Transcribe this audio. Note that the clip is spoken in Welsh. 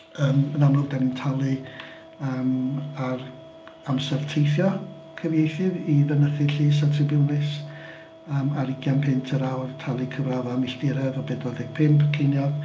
Yym yn amlwg dan ni'n talu am ar amser teithio cyfieithydd i fynychu llys a tribiwnlys yym ar ugain punt yr awr, talu cyfraddau milltiroedd o pedwar deg pump ceiniog